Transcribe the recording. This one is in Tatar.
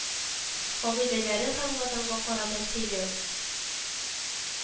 Кагыйдәләре һәм ватанга карата сөйләү